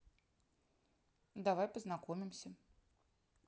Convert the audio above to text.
давай познакомимся